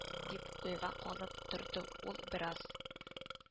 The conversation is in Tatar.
— дип, уйга калып торды ул бераз